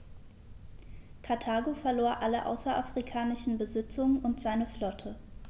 Karthago verlor alle außerafrikanischen Besitzungen und seine Flotte.